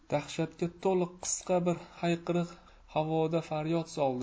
dahshatga to'liq qisqa bir hayqiriq havoda faryod soldi